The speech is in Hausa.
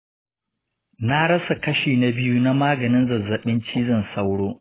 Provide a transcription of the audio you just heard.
na rasa kashi na biyu na maganin zazzabin cizon sauro.